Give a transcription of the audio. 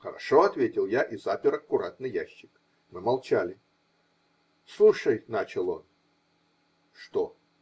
-- Хорошо, -- ответил я и запер аккуратно ящик. Мы молчали. -- Слушай! -- начал он. -- Что?